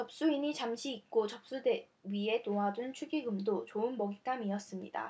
접수인이 잠시 잊고 접수대 위에 놓아둔 축의금도 좋은 먹잇감이었습니다